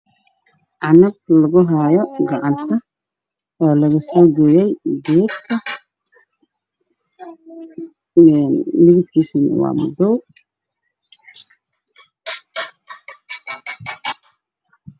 Waxaa ka muuqdo miro madaw ah oo gacanta lagu hayo